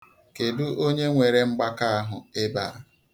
Kedụ onye nwere mgbaka ahụ ebe a?